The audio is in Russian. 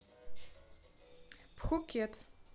пхукет